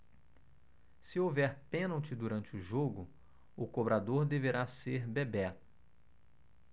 se houver pênalti durante o jogo o cobrador deverá ser bebeto